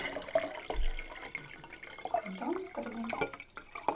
дом три